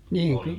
niin -